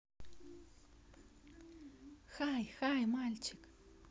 хай хай мальчик